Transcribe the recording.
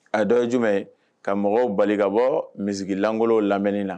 A ye dɔ jumɛnmɛ ka mɔgɔw bali kabɔ min langolo lamɛnni na